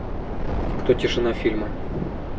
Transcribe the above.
кто тишина фильма